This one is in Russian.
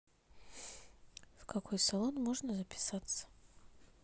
в какой салон можно записаться